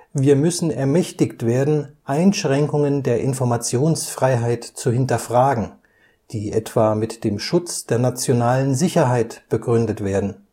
Wir müssen ermächtigt werden, Einschränkungen der Informationsfreiheit zu hinterfragen, die etwa mit dem Schutz der nationalen Sicherheit begründet werden